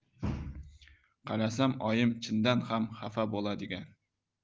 qarasam oyim chindan ham xafa bo'ladigan